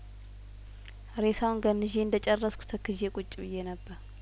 ሬሳውን ገንዤ እንደጨረስኩ ተክዤ ቁጭ ብዬ ነበር